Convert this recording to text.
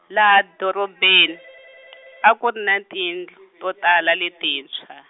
laha doropeni, a ku ri ni tindlu, to tala letintshwa.